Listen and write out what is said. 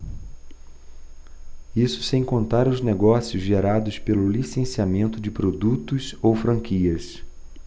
isso sem contar os negócios gerados pelo licenciamento de produtos ou franquias